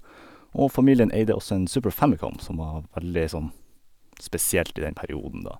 Og familien eide også en Super Famicom, som var veldig sånn spesielt i den perioden, da.